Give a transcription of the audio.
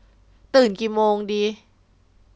ตื่นกี่โมงดี